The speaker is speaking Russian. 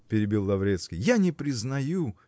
-- перебил Лаврецкий, -- я не признаю.